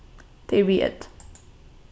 tað er við ð